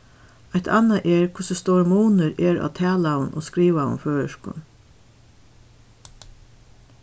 eitt annað er hvussu stórur munur er á talaðum og skrivaðum føroyskum